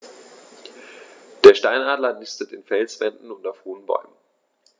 Der Steinadler nistet in Felswänden und auf hohen Bäumen.